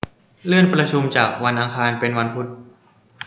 เลื่อนประชุมจากวันอังคารไปวันพุธ